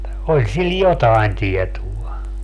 oli sillä jotakin tietoa